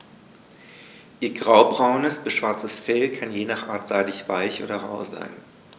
Ihr graubraunes bis schwarzes Fell kann je nach Art seidig-weich oder rau sein.